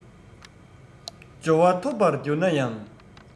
འབྱོར པ ཐོབ པར གྱུར ན ཡང